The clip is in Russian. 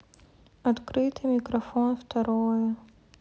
открытый микрофон второе